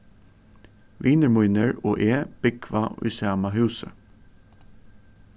vinir mínir og eg búgva í sama húsi